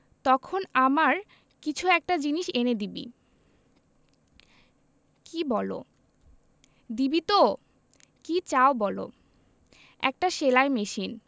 তখন আমার কিছু একটা জিনিস এনে দিবি কি বলো দিবি তো কি চাও বলো একটা সেলাই মেশিন